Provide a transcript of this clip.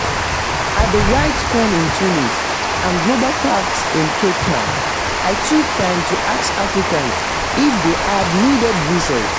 At RightsCon in Tunis, and GlobalFact in Cape Town, I took the time to ask Africans if they had needed visas.